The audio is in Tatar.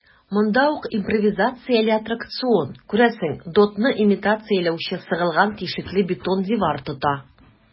Монда ук импровизацияле аттракцион - күрәсең, дотны имитацияләүче сыгылган тишекле бетон дивар тора.